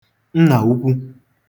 nnàukwu